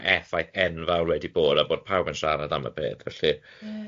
effaith enfawr wedi bod a bod pawb yn siarad am y peth, felly ie.